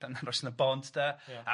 'dan bont 'de... Ia...